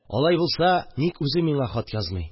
Алай булса, ник үзе миңа хат язмый